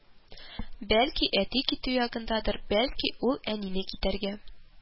Бәлки, әти китү ягындадыр, бәлки, ул әнине китәргә